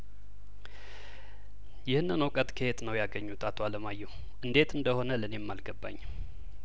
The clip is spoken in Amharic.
ይህንን እውቀት ከየት ነው ያገኙት አቶ አለማየሁ እንዴት እንደሆነ ለእኔም አይገባኝም